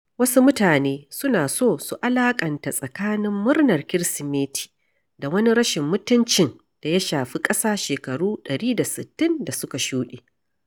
Wasu mutane suna so su alaƙanta tsakanin murnar Kirsimeti da wani rashin mutuncin da ya shafi ƙasa shekaru 160 da suka shuɗe.